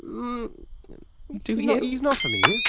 Hmm... Do you?... He's not for me.